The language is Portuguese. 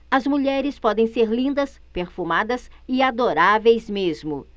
as mulheres podem ser lindas perfumadas e adoráveis mesmo